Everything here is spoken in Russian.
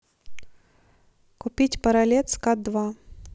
купить паралет скат два